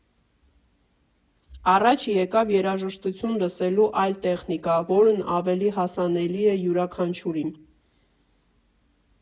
Առաջ եկավ երաժշտություն լսելու այլ տեխնիկա, որն ավելի հասանելի էր յուրաքանչյուրին։